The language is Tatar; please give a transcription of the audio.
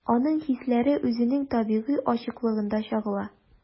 Аның хисләре үзенең табигый ачыклыгында чагыла.